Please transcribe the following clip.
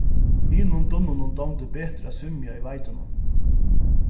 hinum dunnunum dámdi betur at svimja í veitunum